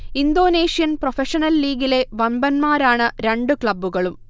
Indonesian professional ലീഗിലെ വമ്പന്മാരാണ് രണ്ട് ക്ലബുകളും